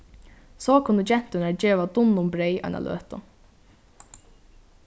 so kunnu genturnar geva dunnunum breyð eina løtu